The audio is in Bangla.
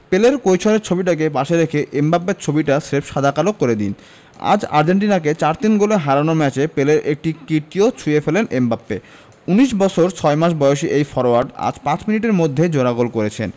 পেলের কৈশোরের ছবিটাকে পাশে রেখে এমবাপ্পের ছবিটা স্রেফ সাদা কালো করে দিন আজ আর্জেন্টিনাকে ৪ ৩ গোলে হারানোর ম্যাচে পেলের একটা কীর্তিও ছুঁয়ে ফেললেন এমবাপ্পে ১৯ বছর ৬ মাস বয়সী এই ফরোয়ার্ড আজ ৫ মিনিটের মধ্যে জোড়া গোল করেছেন